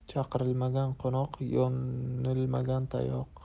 chaqirilmagan qo'noq yo'nilmagan tayoq